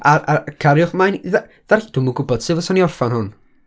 Ar, ar, cariwch mlaen i dda- ddarll- dwi'm yn gwbod, sut ddylsan ni orffen hwn?